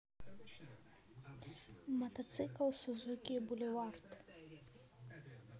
мотоцикл suzuki boulevard